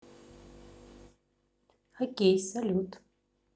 окей салют